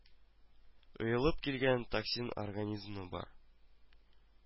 Ыелып килгән токсин организмны бар